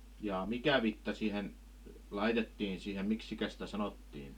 jaa mikä vitsa siihen laitettiin siihen miksi sitä sanottiin